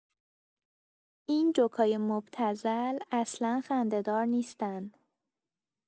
این جوکای مبتذل اصلا خنده‌دار نیستن!